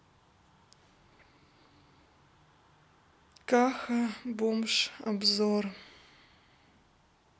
каха бомж обзор